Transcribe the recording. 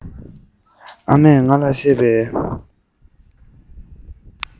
ཨ མས ང ལ བཤད པའི